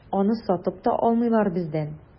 Аны сатып та алмыйлар бездән.